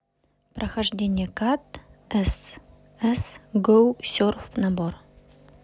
прохождение карт cs go surf набор